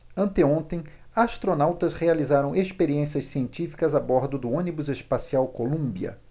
anteontem astronautas realizaram experiências científicas a bordo do ônibus espacial columbia